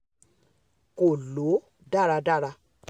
Kò Lọ Dáradara